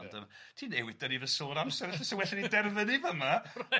ond yym ti newydd dynnu fy sylw o'r amser ella so well i ni derfynnu fan'ma... Reit...